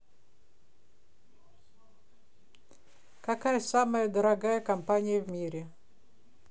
какая самая дорогая компания в мире